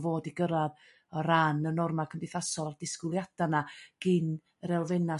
fod i gyrradd o ran y norma' cymdeithasol a disgwyliadau 'na gin yr elfenna'